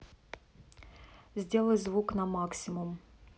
сделай звук на максимум